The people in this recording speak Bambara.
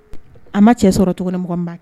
A ma cɛ sɔrɔ cogoɲɔgɔn